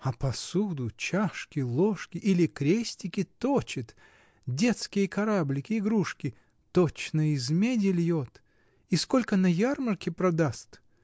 а посуду, чашки, ложки или крестики точит, детские кораблики, игрушки — точно из меди льет! И сколько на ярмарке продаст!